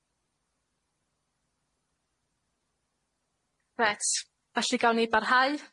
Reit felly gawn ni barhau?